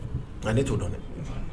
Nka ne t'o don dɛ.